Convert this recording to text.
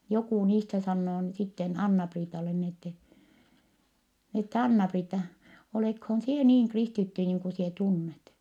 joku niistä sanoo - sitten Anna-Priitalle niin että että Anna-Priitta oletkohan sinä niin kristitty niin kuin sinä tunnet